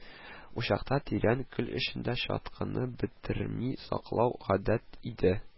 Учакта тирән көл эчендә чаткыны бетерми саклау гадәт иде